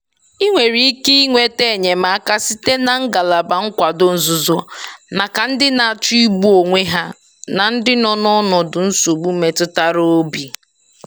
I nwere ike nweta enyemaka site na ngalaba nkwado nzuzo maka ndị na-achọ igbu onwe ha na ndị nọ n'ọnọdụ nsogbu metụtara obi.